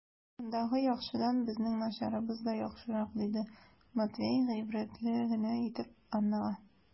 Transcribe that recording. Мондагы яхшыдан безнең начарыбыз да яхшырак, - диде Матвей гыйбрәтле генә итеп Аннага.